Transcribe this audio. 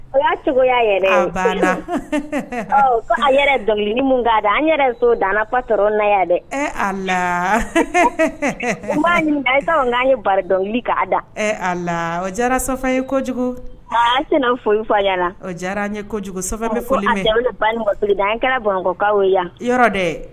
O y'a cogoya yɛrɛ'a la ko a yɛrɛ dɔnkili k'a an yɛrɛ so da t na yan dɛ e a n'an ye dɔnkili k'a da e o ye kojugu pa tɛna foli fɔ la o diyara n ye kojugu foli an kɛra bamakɔkɔkaw yan dɛ